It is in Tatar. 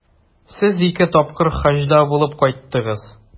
Сез ике тапкыр Хаҗда булып кайттыгыз.